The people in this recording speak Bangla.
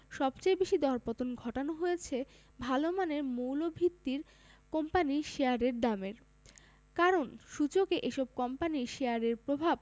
সবচেয়ে বেশি দরপতন ঘটানো হয়েছে ভালো মানের মৌলভিত্তির কোম্পানির শেয়ারের দামের কারণ সূচকে এসব কোম্পানির শেয়ারের প্রভাব